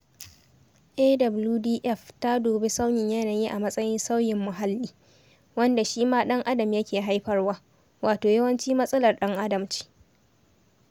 AWDF ta dubi sauyin yanayi a matsayin sauyin muhalli, wanda shi ma ɗan adam yake haifarwa, wato yawanci matsalar ɗan adam ce.